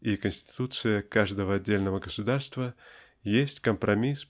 и конституция каждого отдельного государства есть компромисс